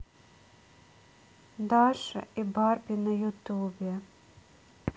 даша и барби на ютубе